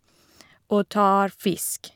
Og tar fisk.